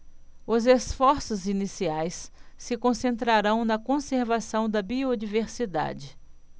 os esforços iniciais se concentrarão na conservação da biodiversidade